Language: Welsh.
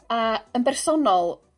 A yn bersonol